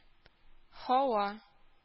Һава